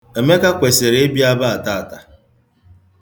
Emeka kwesịrị ịbịa ebe a taata.